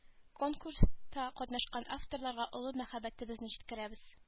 Конкурста катнашкан авторларга олы рәхмәтебезне җиткерәбез